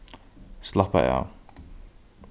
slappa av